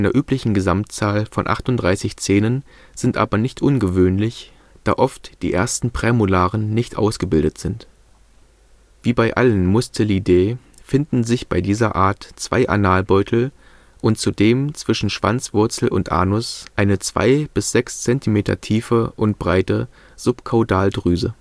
üblichen Gesamtzahl von 38 Zähnen sind aber nicht ungewöhnlich, da oft die ersten Prämolaren nicht ausgebildet sind. Wie bei allen Mustelidae finden sich bei dieser Art zwei Analbeutel und zudem zwischen Schwanzwurzel und Anus eine 2 – 6 cm tiefe und breite Subkaudaldrüse